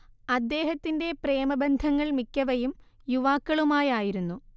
അദ്ദേഹത്തിന്റെ പ്രേമബന്ധങ്ങൾ മിക്കവയും യുവാക്കളുമായായിരുന്നു